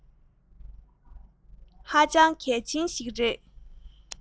ཧ ཅང གལ ཆེན ཞིག རེད